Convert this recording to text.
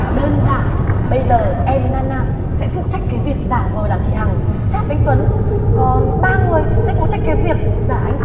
đơn giản bây giờ em với na na sẽ phụ trách cái việc giả vờ làm chị hằng rồi chát với anh tuấn còn ba người sẽ phụ trách cái việc giả anh